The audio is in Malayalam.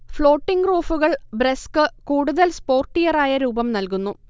ഫ്ളോട്ടിങ് റൂഫുകൾ ബ്രെസ്ക്ക് കൂടുതൽ സ്പോർട്ടിയറായ രൂപം നൽകുന്നു